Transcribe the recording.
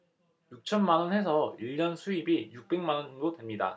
육 천만 원 해서 일 년 수입이 육 백만 원 정도 됩니다